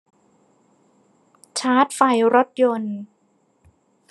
ชาร์จไฟรถยนต์